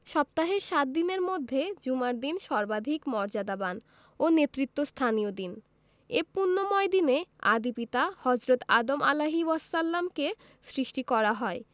সপ্তাহের সাত দিনের মধ্যে জুমার দিন সর্বাধিক মর্যাদাবান ও নেতৃত্বস্থানীয় দিন এ পুণ্যময় দিনে আদি পিতা হজরত আদম আ কে সৃষ্টি করা হয়